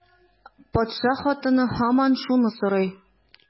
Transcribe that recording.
Патша хатыны һаман шуны сорый.